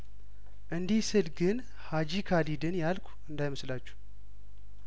እንዲህ ስል ግን ሀጂ ካሊድን ያልኩ እንዳይመስላችሁ